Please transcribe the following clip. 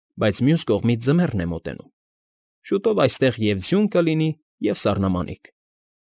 Բայց մյուս կողմից ձմեռն է մոտենում, շուտով այստեղ և՛ ձյուն կլինի, և՛ սառնամանիք։